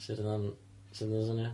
Sut o'dd o'n sut o'dd o'n swnio?